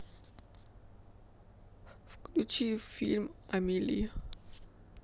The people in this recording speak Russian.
включи фильм амели